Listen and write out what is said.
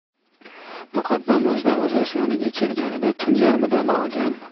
muqaddam o'z darvozasi yoniga kelganida tun yarmidan og'gan